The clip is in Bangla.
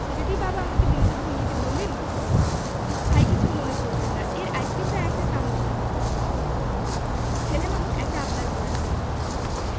ছেলেটির বাবা আমাকে বিনীত ভঙ্গিতে বললেন ভাই কিছু মনে করবেন না এর আইসক্রিমটায় একটা কামড় দেন ছেলে মানুষ একটা আবদার করছে